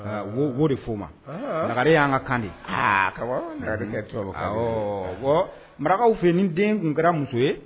O de' oo ma naare y' ka kan di marakaw fɛ nin den tun kɛra muso ye